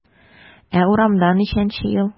Ә урамда ничәнче ел?